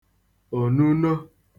ònuno